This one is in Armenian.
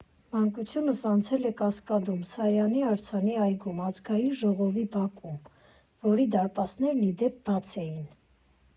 Մանկությունս անցել է Կասկադում, Սարյանի արձանի այգում, Ազգային ժողովի բակում, որի դարպասներն, ի դեպ, բաց էին.